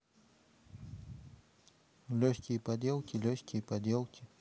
легкие поделки легкие поделки